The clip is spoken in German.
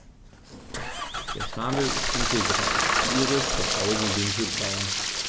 Der Schnabel ist dunkelgrau, die Iris der Augen dunkelbraun.